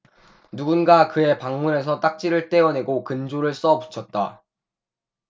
누군가 그의 방문에서 딱지를 떼어내고 근조를 써 붙였다